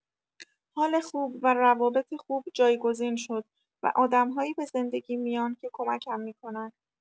حال خوب و روابط خوب جایگزین شد و آدم‌هایی به زندگیم میان که کمکم می‌کنن.